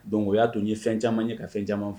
Donc o y'a to ɲe fɛn caman ye ka fɛn caman f